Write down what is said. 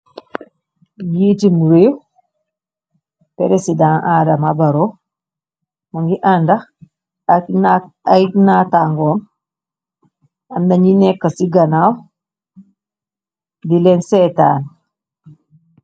Jiitim riiw president adama baro mu ngi àndax ay natangoom amnañi nekka ci ganaaw di leen seetaan.